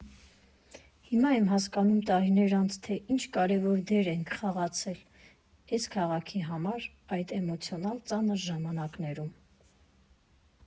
Հիմա եմ հասկանում՝ տարիներ անց, թե ինչ կարևոր դեր ենք խաղացել էս քաղաքի համար այդ էմոցիոնալ ծանր ժամանակներում։